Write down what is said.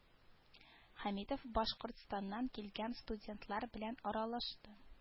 Хәмитов башкортстаннан килгән стдуентлар белән аралашты